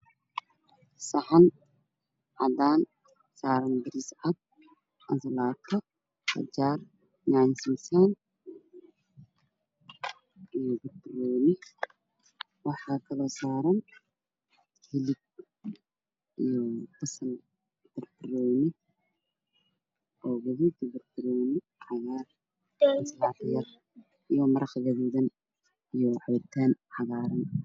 Islaanta meshan kaaga muu wato waxey heysataa labo wiil iyo gabar dharka wiilasho waa buluug Kan gabadhana waa cadaan